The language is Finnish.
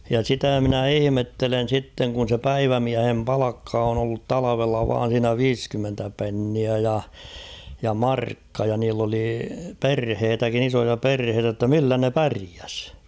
ja sitä minä ihmettelen sitten kun se päivämiehen palkka on ollut talvella vain siinä viisikymmentä penniä ja ja markka ja niillä oli perhettäkin isoja perheitä jotta millä ne pärjäsi